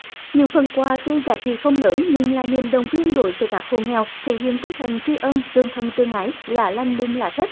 những phần quà tuy giá trị không lớn nhưng là niềm động viên đối với các hộ nghèo thể hiện tinh thần tri ân tương thân tương ái lá lành đùm lá rách